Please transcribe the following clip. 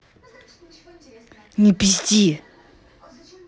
не пизди